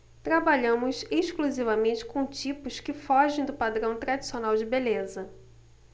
trabalhamos exclusivamente com tipos que fogem do padrão tradicional de beleza